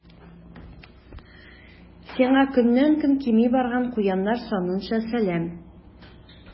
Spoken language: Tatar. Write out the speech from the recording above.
Сиңа көннән-көн кими барган куяннар санынча сәлам.